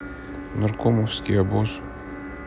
наркомовский обоз